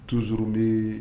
Tu zurun bɛ